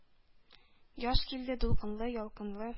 Яз килде; дулкынлы, ялкынлы,